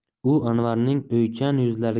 u anvarning o'ychan